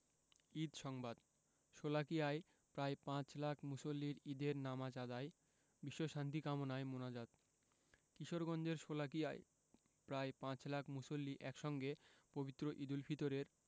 ঈদ সংবাদ শোলাকিয়ায় প্রায় পাঁচ লাখ মুসল্লির ঈদের নামাজ আদায় বিশ্বশান্তি কামনায় মোনাজাত কিশোরগঞ্জের শোলাকিয়ায় প্রায় পাঁচ লাখ মুসল্লি একসঙ্গে পবিত্র ঈদুল ফিতরের